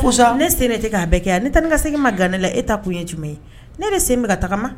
fo sa ne sen tɛ k'a bɛ kɛ ne tɛ ne ka segin ma gan ne la e ta kun ye jumɛn ye ne de sen bɛ ka taga ma